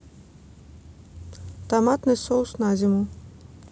томатный соус на зиму